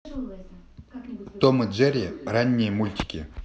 том и джерри ранние мультики